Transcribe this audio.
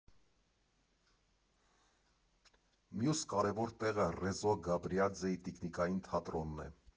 Մյուս կարևոր տեղը Ռեզո Գաբրիաձեի տիկնիկային թատրոնն է։